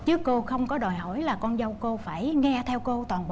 chứ cô không có đòi hỏi là con dâu cô phải nghe theo cô toàn bộ